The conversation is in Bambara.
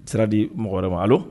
Sira di mɔgɔ wɛrɛ a